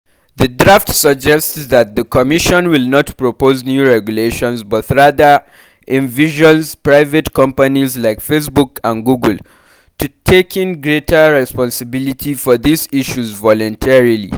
The draft suggests that the Commission will not propose new regulations, but rather envisions private companies like Facebook and Google taking greater responsibility for these issues voluntarily.